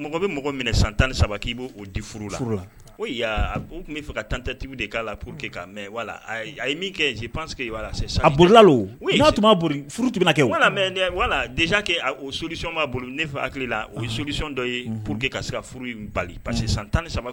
Mɔgɔ bɛ mɔgɔ minɛ san tan ni saba k'io di la u tun b' fɛ ka tan tantibi de k'a la pur que wala a ye min kɛ panseke'ala b kɛ wala o sosion b'a bolo ne fɛ hakilila o ye solisi dɔ ye pour que ka se furu bali parce que san tan saba